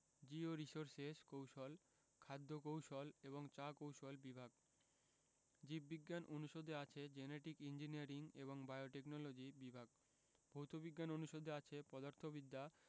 georesources কৌশল খাদ্য কৌশল এবং চা কৌশল বিভাগ জীব বিজ্ঞান অনুষদে আছে জেনেটিক ইঞ্জিনিয়ারিং এবং বায়োটেকনলজি বিভাগ ভৌত বিজ্ঞান অনুষদে আছে পদার্থবিদ্যা